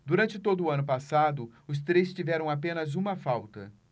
durante todo o ano passado os três tiveram apenas uma falta